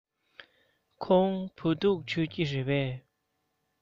ཁོང བོད ཐུག མཆོད ཀྱི རེད པས